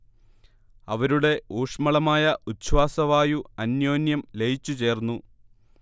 അവരുടെ ഊഷ്മളമായ ഉച്ഛ്വാസവായു അന്യോന്യം ലയിച്ചു ചേർന്നു